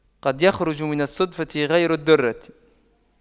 قد يخرج من الصدفة غير الدُّرَّة